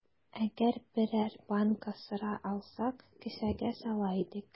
Әгәр берәр банка сыра алсак, кесәгә сала идек.